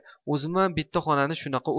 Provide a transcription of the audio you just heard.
o'zimam bitta xonani shunaqa